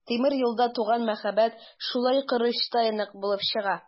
Тимер юлда туган мәхәббәт шулай корычтай нык булып чыга.